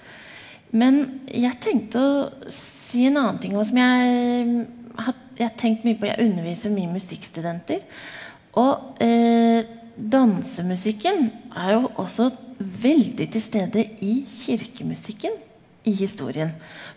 men jeg tenkte å si en annen ting òg som jeg jeg har tenkt mye på jeg underviser mye musikkstudenter og dansemusikken er jo også veldig tilstede i kirkemusikken i historien.